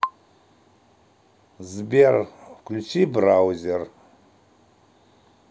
сбер включи браузер